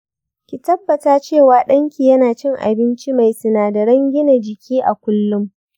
ki tabbata cewa ɗan ki yana cin abinci mai sinadaran gina jiki a kullum.